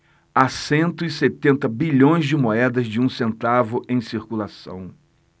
há cento e setenta bilhões de moedas de um centavo em circulação